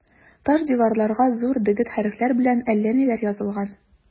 Таш диварларга зур дегет хәрефләр белән әллә ниләр язылган.